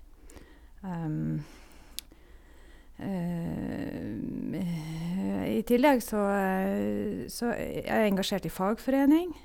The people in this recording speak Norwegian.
I tillegg så så er jeg engasjert i fagforening.